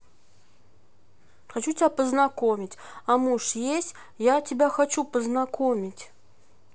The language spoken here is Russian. хочу тебя познакомить а муж есть тебя хочу познакомить